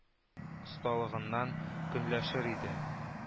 Осталыгыннан көнләшер иде